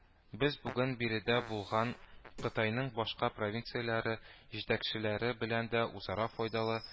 "без бүген биредә булган кытайның башка провинцияләре җитәкчеләре белән дә үзара файдалы